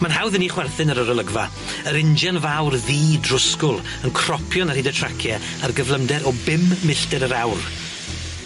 Ma'n hawdd i ni chwerthin ar yr olygfa yr injan fawr ddu drwsgwl yn cropian yn ar hyd y tracie a'r gyflymder o bum milltir yr awr.